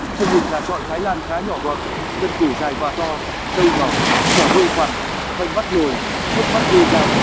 thân hình gà chọi thái lan khá nhỏ gọn cần cổ dài và to đầu nhỏ mỏ hơi khoằm vành mắt lồi hốc mắt nhô cao